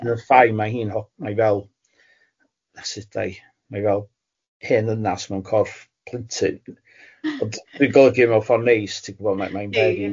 sydd yn fine mae hi'n ho- mae fel asidau, mae fel hen ddynas mewn corff plentyn, ond dwi'n golygu hyn mewn ffordd neis ti'n gwybod mae mae'n... Ie ie.